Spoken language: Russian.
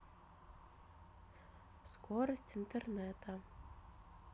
скорость интернета